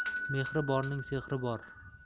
mehri borning sehri bor